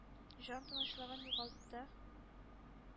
Җан тынычлыгын югалтты,